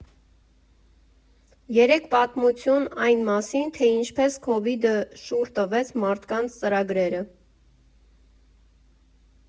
Երեք պատմություն այն մասին, թե ինչպես քովիդը շուռ տվեց մարդկանց ծրագրերը։